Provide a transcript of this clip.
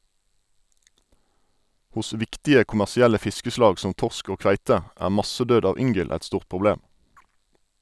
Hos viktige kommersielle fiskeslag som torsk og kveite er massedød av yngel et stort problem.